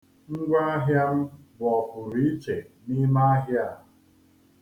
Ngwaahịa a m bụ ọpụrụiche n'ime ahịa a.